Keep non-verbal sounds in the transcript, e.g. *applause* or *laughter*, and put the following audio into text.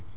*hesitation* *hesitation*